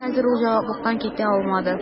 Хәер, ул җаваплылыктан китә алмады: